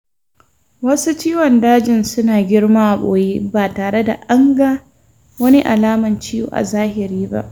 wasu ciwon dajin suna girma a boye ba tareda anga wani alaman ciwon a zahiri ba.